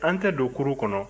an tɛ don kurun kɔnɔ